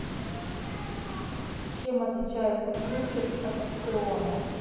чем отличается фьючерс от опциона